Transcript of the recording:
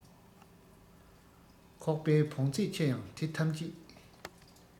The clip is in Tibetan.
ཁོག པའི བོངས ཚད ཆེ ཡང དེ ཐམས ཅད